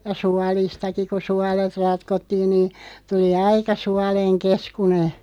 ja suolistakin kun suolet ratkottiin niin tuli aika suolen keskuinen